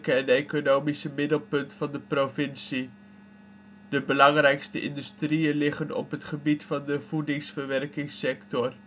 en economische middelpunt van de provincie. De belangrijkste industrieën liggen op het gebied van de voedingsverwerkingssector